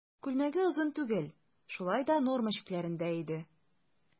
Күлмәге озын түгел, шулай да норма чикләрендә иде.